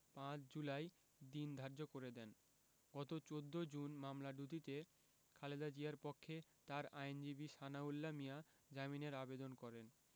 ৫ জুলাই দিন ধার্য করে দেন গত ১৪ জুন মামলা দুটিতে খালেদা জিয়ার পক্ষে তার আইনজীবী সানাউল্লাহ মিয়া জামিনের আবেদন করেন